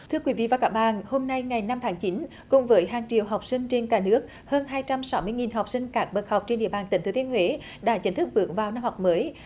thưa quý vị và các bạn hôm nay ngày năm tháng chín cùng với hàng triệu học sinh trên cả nước hơn hai trăm sáu mươi nghìn học sinh các bậc học trên địa bàn tỉnh thừa thiên huế đã chính thức bước vào năm học mới